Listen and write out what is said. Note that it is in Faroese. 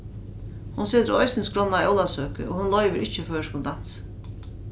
hon setir eisini skránna á ólavsøku og hon loyvir ikki føroyskum dansi